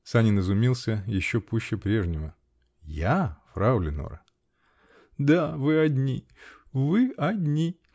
Санин изумился еще пуще прежнего. -- Я, фрау Леноре? -- Да, вы одни. Вы одни.